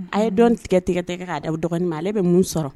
A ye dɔn tigɛ tɛgɛ tɛgɛ k'a da dɔgɔnin ma ale bɛ mun sɔrɔ